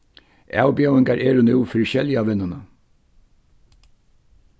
avbjóðingar eru nú fyri skeljavinnuna